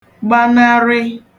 gbanarị